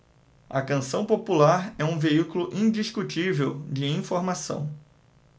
a canção popular é um veículo indiscutível de informação